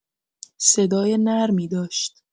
صدای نرمی داشت.